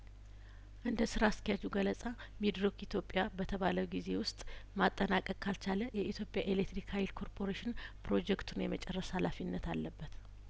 እንደ ስራ አስኪያጁ ገለጻ ሚድሮክ ኢትዮጵያ በተባለው ጊዜ ውስጥ ማጠናቀቅ ካልቻለ የኢትዮጵያ ኤሌትሪክ ሀይል ኮርፖሬሽን ፕሮጀክቱን የመጨረስ ሀላፊነት አለበት